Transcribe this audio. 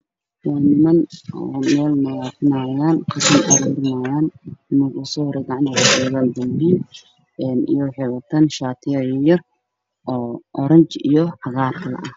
Waa niman meel nadiifinayo ninka ugu soo horeeyo wax wata dambiil waxay wataan shati oronjiyo cadaan isku jira oo yar